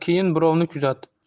keyin birovni kuzat